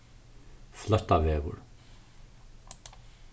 fløttavegur